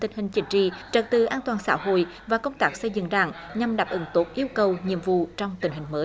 tình hình chính trị trật tự an toàn xã hội và công tác xây dựng đảng nhằm đáp ứng tốt yêu cầu nhiệm vụ trong tình hình mới